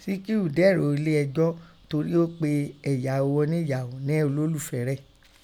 Sikiru dèrò ẹlé ẹjọ́ torí ó pe ẹ̀yàó ọníyàó nẹ́ olólùfẹ́ rẹ̀.